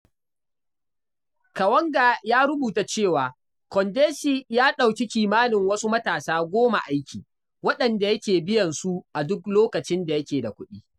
Kawanga ya rubuta cewa, Kondesi ya ɗauki kimanin wasu matasa goma aiki, waɗanda yake biyan su a duk lokacin da yake da kuɗi.